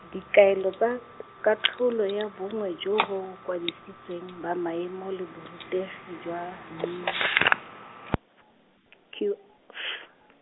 dikaelo tsa, katlholo ya bongwe jo bo kwadisitsweng ba maemo le borutegi jwa N Q F.